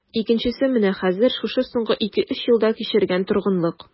Икенчесе менә хәзер, шушы соңгы ике-өч елда кичергән торгынлык...